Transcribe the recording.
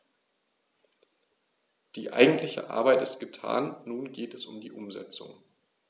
Die eigentliche Arbeit ist getan, nun geht es um die Umsetzung.